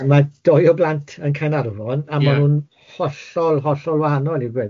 A mae'r doi o blant yn Caernarfon... Ia. ...a maen nhw'n hollol hollol wahanol i'w gweddill